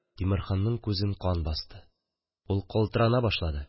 Тимерханның күзен кан басты, ул калтырана башлады